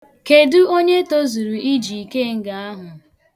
Kedụ onye tozuru iji ikenga ahụ?